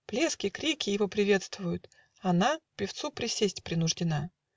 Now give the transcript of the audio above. Плески, клики Его приветствуют. Она Певцу присесть принуждена